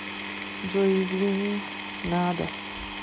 джой извини надо